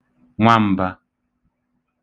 nwam̄bā